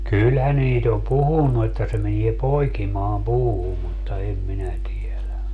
kyllähän niitä on puhunut että se menee poikimaan puuhun mutta en minä tiedä